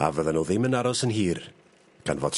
A fydden n'w ddim yn aros yn hir gan fod...